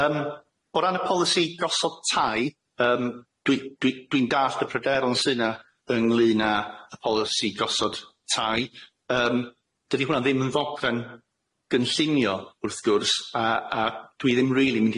Yym o ran y polisi gosod tai yym dwi dwi dwi'n dallt y pryderon sy'n na ynglŷn â y polisi gosod tai yym dydi hwnna ddim yn ddogfen gynllunio wrth gwrs a a dwi ddim rili mynd